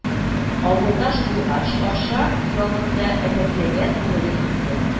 Авылдаш булгач, акча ягын да рәтләгән булыр идем, диде